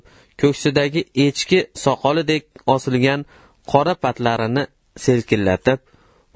ko'ksidagi echki soqoldek osilgan qora patlarini sel killatib